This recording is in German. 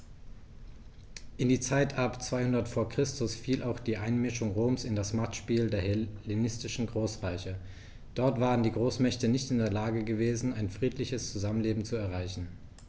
In die Zeit ab 200 v. Chr. fiel auch die Einmischung Roms in das Machtspiel der hellenistischen Großreiche: Dort waren die Großmächte nicht in der Lage gewesen, ein friedliches Zusammenleben zu erreichen.